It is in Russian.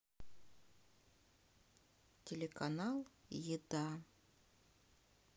телеканал еда